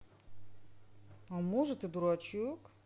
а может ты дурачок